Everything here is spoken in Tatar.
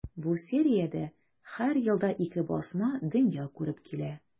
Бу сериядә һәр елда ике басма дөнья күреп килә.